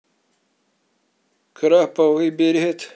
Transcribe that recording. краповый берет